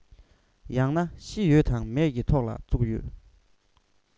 ཡང ན ཤི ཡོད དང མེད ཀྱི ཐོག ལ བཙུགས ཡོད